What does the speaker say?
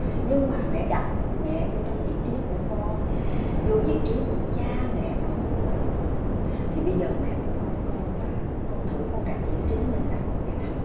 nhưng mà mẹ đặt mẹ vô trong vị trí của con vô vị trí của cha mẹ con lúc đó thì bây giờ mẹ cũng mong con là con thử con đặt vị trí mình là con bé thanh